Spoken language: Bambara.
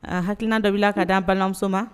Aa hakilina dɔ b'i la ka di an balimamuso ma